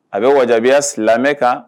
A bɛ wajibiya silamɛ kan